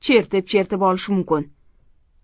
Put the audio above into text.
chertib chertib olish mumkin